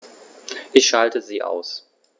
Ich schalte sie aus.